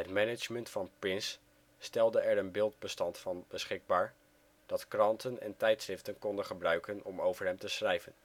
management van Prince stelde er een beeldbestand van beschikbaar, dat kranten en tijdschriften konden gebruiken om over hem te schrijven